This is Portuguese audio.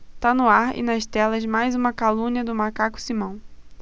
tá no ar e nas telas mais uma calúnia do macaco simão